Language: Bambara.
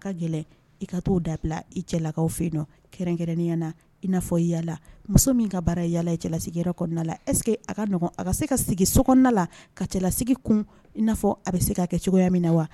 A ka gɛlɛn i ka t'o dabila i cɛlakaw fɛ yen kɛrɛnkɛrɛnya na i na fɔ yala, muso min ka baara ye yala ye cɛlasigiyɔrɔ kɔnɔna la est-ce que a ka nɔgɔn, a ka se ka sigi sokɔnɔna la, ka cɛlasigi kun i na fɔ a bɛ se ka kɛ cogoya min na wa.